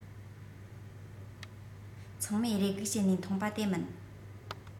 ཚང མས རེ སྒུག བྱེད ནས མཐོང པ དེ མིན